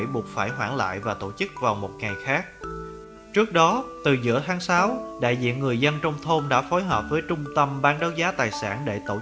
buộc phải hoãn và tổ chức vào thời gian khác trước đó từ giữa tháng đại diện người dân trong thôn đã phối hợp với trung tâm bán đấu giá tài sản để tổ chức